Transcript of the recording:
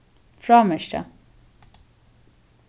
frámerkja